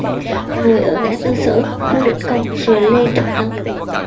ngồi ở ngã tư sở khu định công rồi lê trọng tấn